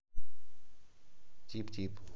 тип тип